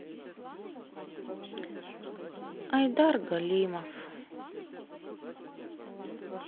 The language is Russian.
айдар галимов